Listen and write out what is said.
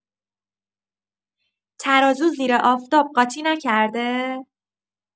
ترازو زیر آفتاب قاطی نکرده؟